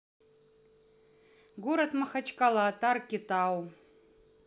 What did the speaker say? город махачкала тарки тау